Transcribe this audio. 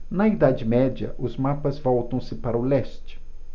na idade média os mapas voltam-se para o leste